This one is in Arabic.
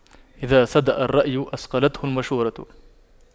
إذا صدأ الرأي أصقلته المشورة